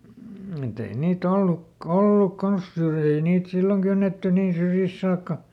mutta ei niitä - ollut kanssa syrjiä ei niitä silloin kynnetty niin syrjistä saakka